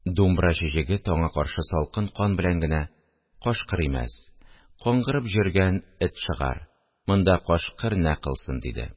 Думбрачы җегет аңа каршы салкын кан белән генә: – Кашкыр имәс , каңгырып җөргән эт шыгар: монда кашкыр нә кылсын, – диде